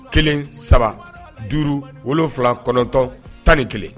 Kelen saba duuru wolo wolonwula kɔnɔntɔn tan ni kelen